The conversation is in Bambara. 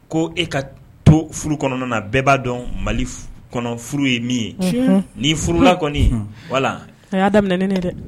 Ko e ka to furu kɔnɔna na bɛɛ b'a dɔn mali kɔnɔ furu ye min ye cɛ ni furula kɔni wala a y'a daminɛmin ne ye dɛ